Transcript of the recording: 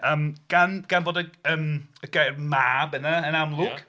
Yym gan... gan bod y... yym y gair 'mab' yna, yn amlwg...